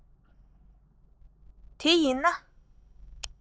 ཕན ཐོགས ཤིང